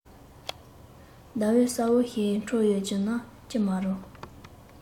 ཟླ འོད གསལ བོ ཞིག འཕྲོས ཡོད རྒྱུ ན ཅི མ རུང